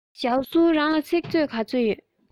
ཞའོ སུའུ རང ལ ཚིག མཛོད ག ཚོད ཡོད